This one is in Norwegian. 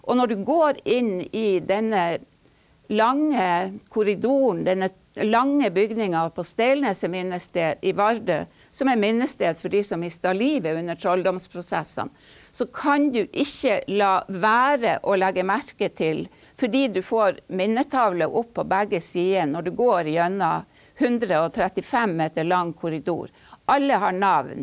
og når du går inn i denne lange korridoren, denne lange bygninga på Steilneset minnested i Vardø som er minnested for de som mista livet under trolldomsprosessene, så kan du ikke la være å legge merke til, fordi du får minnetavle opp på begge sider når du går igjennom hundreogtrettifem meter lang korridor, alle har navn.